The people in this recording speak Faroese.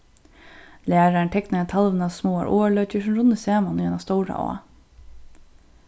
lærarin teknaði á talvuna smáar áarløkir sum runnu saman í eina stóra á